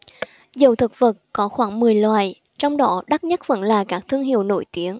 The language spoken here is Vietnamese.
dầu thực vật có khoảng mười loại trong đó đắt nhất vẫn là các thương hiệu nổi tiếng